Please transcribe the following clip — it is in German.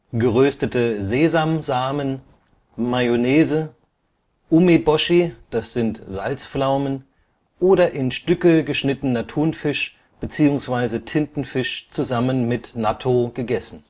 geröstete Sesamsamen, Mayonnaise, Umeboshi (Salzpflaumen) oder in Stücke geschnittener Thunfisch beziehungsweise Tintenfisch zusammen mit Nattō gegessen